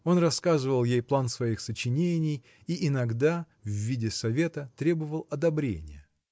Он рассказывал ей план своих сочинений и иногда в виде совета требовал одобрения.